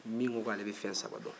min ko k'ale bɛ fɛnsaba dɔn